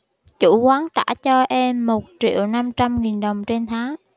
chủ quán trả cho em một triệu năm trăm nghìn đồng trên tháng